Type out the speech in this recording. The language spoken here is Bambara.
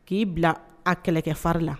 K'i bila a kɛlɛkɛ fari la.